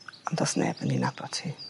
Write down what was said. ond do's neb yn 'i nabot hi.